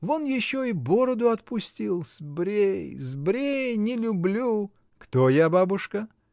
Вон еще и бороду отпустил — сбрей, сбрей, не люблю! — Кто я, бабушка?